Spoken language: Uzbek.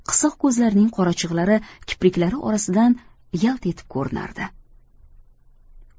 qisiq ko'zlarining qorachiglari kipriklari orasidan yalt etib ko'rinardi